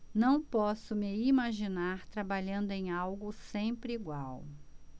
não posso me imaginar trabalhando em algo sempre igual